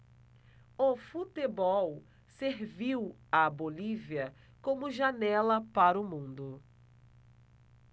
o futebol serviu à bolívia como janela para o mundo